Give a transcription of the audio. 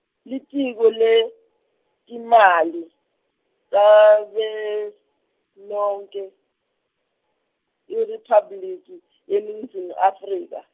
Litiko letimali taVelonkhe IRiphabliki yeNingizimu Afrika.